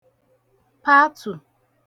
patù